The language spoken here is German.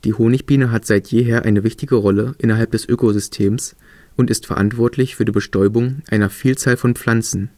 Honigbiene hat seit jeher eine wichtige Rolle innerhalb des Ökosystems und ist verantwortlich für die Bestäubung einer Vielzahl von Pflanzen